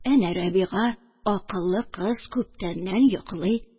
Әнә Рәбига – акыллы кыз, күптәннән йоклый